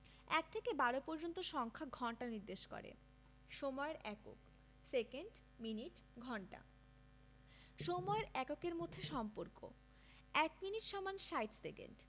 ১ থেকে ১২ পর্যন্ত সংখ্যা ঘন্টা নির্দেশ করে সময়ের এককঃ সেকেন্ড মিনিট ঘন্টা সময়ের এককের মধ্যে সম্পর্কঃ ১ মিনিট = ৬০ সেকেন্ড